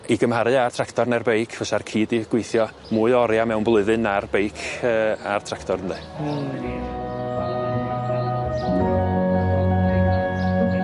i gymharu â tractor ne'r beic fysa'r ci 'di gweithio mwy o oria mewn blwyddyn na'r beic yy a'r tractor ynde? Hmm.